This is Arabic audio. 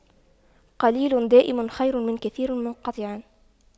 قليل دائم خير من كثير منقطع